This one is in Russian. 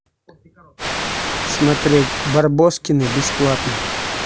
смотреть барбоскины бесплатно